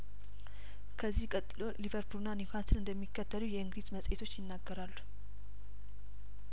ከዚህ ቀጥሎ ሊቨርፑልና ኒውካስል እንደሚከተሉ የእንግሊዝ መጽሄቶች ይናገራሉ